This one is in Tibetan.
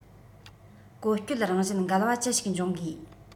བཀོལ སྤྱོད རང བཞིན འགལ བ ཅི ཞིག འབྱུང དགོས